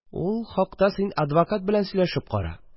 – ул хакта син адвокат белән сөйләшеп кара.